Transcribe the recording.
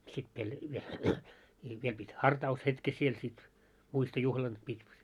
sitten - vielä - vielä piti hartaushetken siellä sitten muistojuhlan piti